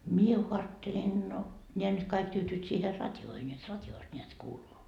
minä kun ajattelen no nämä nyt kaikki tyytyvät siihen radioon jotta radiosta näet kuuluu